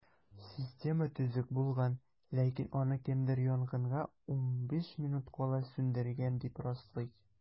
Система төзек булган, ләкин аны кемдер янгынга 15 минут кала сүндергән, дип раслый.